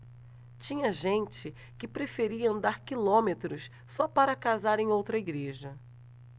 tinha gente que preferia andar quilômetros só para casar em outra igreja